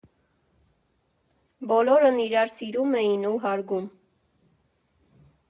Բոլորն իրար սիրում էին ու հարգում։